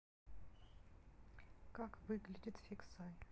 как выглядит фиксай